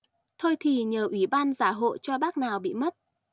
thôi thì nhờ ủy ban giả hộ cho bác nào bị mất